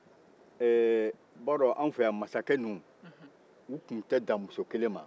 ee e b'a dɔn an fɛ yan masakɛ ninnu o tun tɛ dan muso kelen man